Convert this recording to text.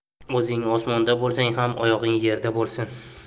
o'zing osmonda bo'lsang ham oyog'ing yerda bo'lsin